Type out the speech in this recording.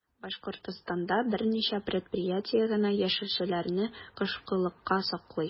Башкортстанда берничә предприятие генә яшелчәләрне кышкылыкка саклый.